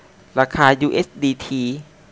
ราคายูเอสดีที